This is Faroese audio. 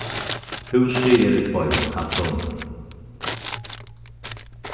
húsið er í tveimum hæddum